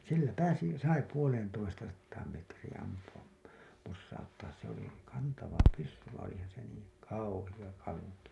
sillä pääsi sai puoleentoistasataan metriin ampua posauttaa se oli kantava pyssy vaan olipahan se niin kauhea kanki